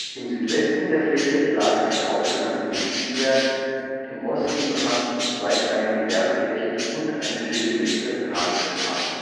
Im Südwesten der Fläche lag ein aufgelassenes Kieswerk, im Osten befanden sich zwei kleine Gewerbeflächen und eine stillgelegte Radrennbahn